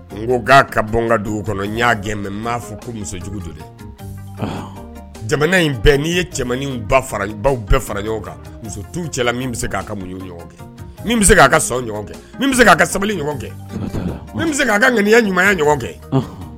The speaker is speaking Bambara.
N ko ka bɔ dugu kɔnɔ n gɛn mɛ'a fɔ ko musojugu don jamana in bɛɛ n'i ye cɛ bɛɛ fara ɲɔgɔn kan muso tu cɛla min bɛ'a ka muɲ kɛ bɛ ka kɛ bɛ' ka sabali ɲɔgɔn kɛ bɛ'a ka ŋya ɲumanya ɲɔgɔn kɛ